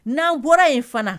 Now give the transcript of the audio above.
N'an bɔra ye fana